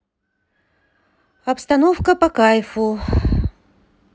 обстановка по кайфу